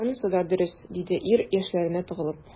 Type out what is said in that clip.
Анысы да дөрес,— диде ир, яшьләренә тыгылып.